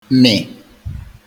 mị̀